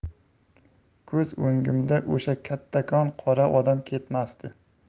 ko'z o'ngimda o'sha kattakon qora odam ketmasdi